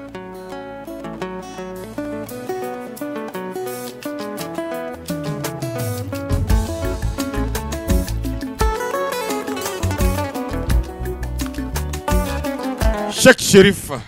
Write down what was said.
Sɛsɛfa